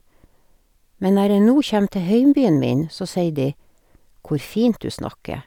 Men når jeg nu kjem til heimbyen min, så sier de Hvor fint du snakker.